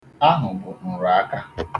'Ahụ' bụ nrụaka.